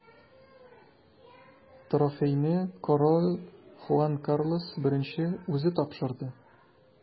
Трофейны король Хуан Карлос I үзе тапшырды.